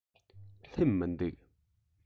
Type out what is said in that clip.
སླེབས མི འདུག